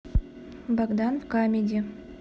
богдан в камеди